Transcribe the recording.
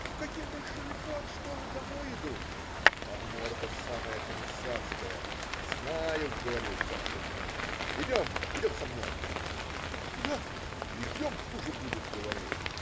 - К каким большевикам, что вы, домой иду,- а морда самая комиссарская. - Знаю, говорю. вашу мать! Идем, идем со мной. Куда? - Идем, хуже будет, говорю.